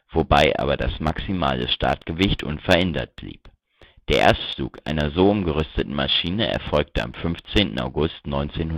wobei aber das maximale Startgewicht unverändert blieb. Der Erstflug einer so umgerüsteten Maschine erfolgte am 15. August 1981